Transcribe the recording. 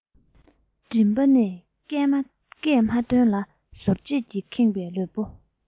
མགྲིན པ ནས སྐད མ ཐོན ལ ཟུག གཟེར གྱིས ཁེངས པའི ལུས པོ